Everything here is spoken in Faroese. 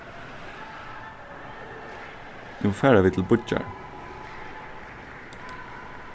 nú fara vit til bíggjar